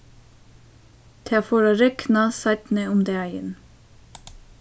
tað fór at regna seinni um dagin